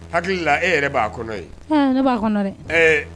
Hakili e yɛrɛ b'a kɔnɔ ye ne b'a kɔnɔ dɛ ɛɛ